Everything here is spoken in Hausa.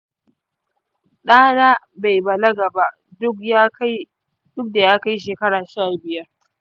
ɗa na bai balaga ba duk da yakai shekara sha biyar.